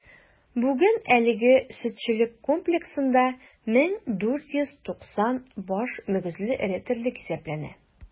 Бүген әлеге сөтчелек комплексында 1490 баш мөгезле эре терлек исәпләнә.